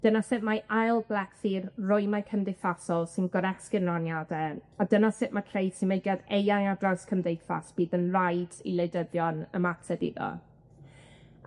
Dyna sut mae ail-blethu'r rwymau cymdeithasol sy'n goresgyn raniade, a dyna sut ma' creu symudiad eang ar draws cymdeithas bydd yn raid i wleidyddion ymateb iddo.